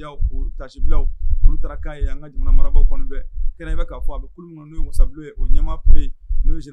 Tasita k'a ye an ka jamana marabagaw kɛnɛ'a fɔ a bɛ kɔnɔ' masa o ɲɛ